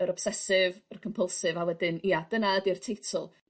Yr obsesive yr compulsive a wedyn ia dyna ydi'r teitl.